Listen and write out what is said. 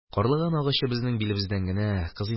Карлыган агачы безнең билебездән генә, кыз инде